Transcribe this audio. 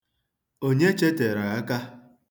Onye chetere aka?